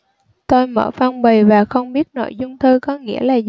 tôi mở phong bì và không biết nội dung thư có nghĩa là gì